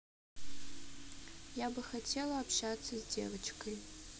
я бы хотела общаться с девочкой